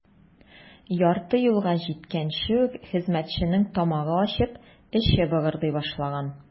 Ярты юлга җиткәнче үк хезмәтченең тамагы ачып, эче быгырдый башлаган.